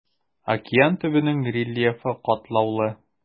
Океан төбенең рельефы катлаулы.